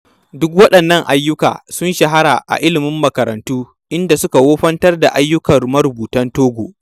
Duk waɗannan ayyukan sun shahara a ilimin makarantu, inda suka wofantar da ayyukan marubutan Togo.